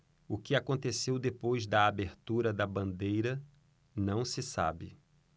o que aconteceu depois da abertura da bandeira não se sabe